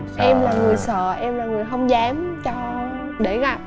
em là người sợ em là người hông dám cho để gặp